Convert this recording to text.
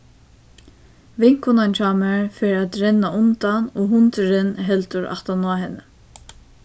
vinkonan hjá mær fer at renna undan og hundurin heldur aftaná henni